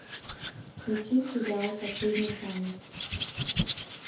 включи сериал последний танец